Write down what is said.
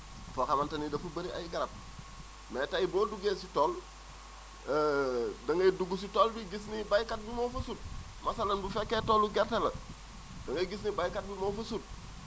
foo xamante ni dafa bëri ay garab mais tey boo duggee si tool da ngay dugg si tool bi gis ni baykat bi moo fa sut masalan bu fekkee toolu gerte la da ngay gis ni baykat bi moo fa sut